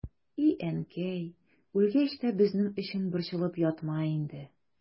И әнкәй, үлгәч тә безнең өчен борчылып ятма инде.